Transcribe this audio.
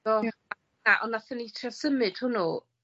Do. Ie. A a.. On' nathon ni trio symud hwnnw